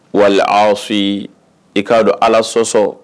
Wali aw fii. I ka dɔn ala sɔsɔ.